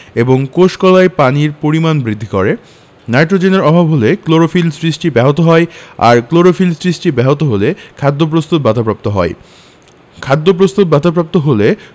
এবং কোষ কলায় পানির পরিমাণ বৃদ্ধি করে নাইট্রোজেনের অভাব হলে ক্লোরোফিল সৃষ্টি ব্যাহত হয় আর ক্লোরোফিল সৃষ্টি ব্যাহত হলে খাদ্য প্রস্তুত বাধাপ্রাপ্ত হয় খাদ্যপ্রস্তুত বাধাপ্রাপ্ত হলে